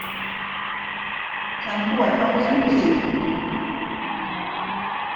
ฉันปวดตรงลิ้นปี่